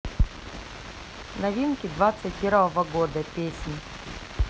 новинки двадцать первого года песни